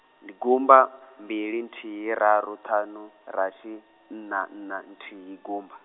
ndi gumba, mbili nthihi raru ṱhanu, rathi, nṋa nṋa nthihi gumba.